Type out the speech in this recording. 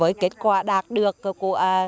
với kết quả đạt được của à